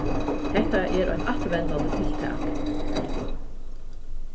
hetta er afturvendandi tiltak